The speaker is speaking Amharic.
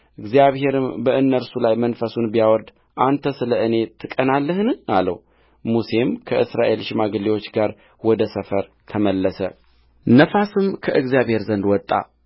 እግዚአብሔርም በእነርሱ ላይ መንፈሱን ቢያወርድ አንተ ስለእኔ ትቀናለህን አለውሙሴም ከእስራኤል ሽማግሌዎች ጋር ወደ ሰፈር ተመለሰነፋስም ከእግዚአብሔር ዘንድ ወጣ